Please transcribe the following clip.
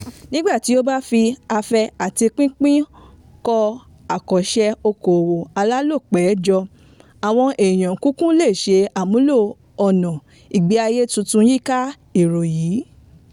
Nígbà tí ó bá fi afẹ́ àti pínpín kọ́ àwòṣe òkòwò alálòpẹ́ jọ, àwọn èèyàn kúkú lè ṣe àmúlò ọ̀nà ìgbáyé tuntun yíká èrò yìí.